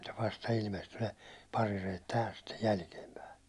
vasta ilmestyi ne parireet tähän sitten jälkeenpäin